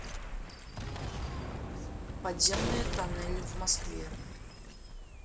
подземные тоннели в москве